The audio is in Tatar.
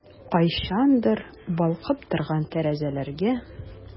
Кайчандыр балкып торган тәрәзәләргә...